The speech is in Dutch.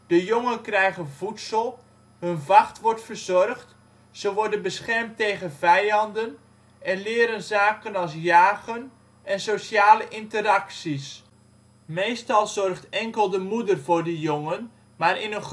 jongen krijgen voedsel, hun vacht wordt verzorgd, ze worden beschermd tegen vijanden en leren zaken als jagen en sociale interacties. Meestal zorgt enkel de moeder voor de jongen, maar in